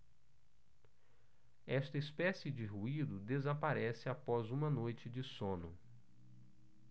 esta espécie de ruído desaparece após uma noite de sono